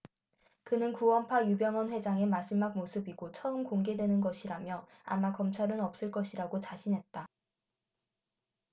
그는 구원파 유병언 회장의 마지막 모습이고 처음 공개되는 것이라며 아마 검찰은 없을 것이라고 자신했다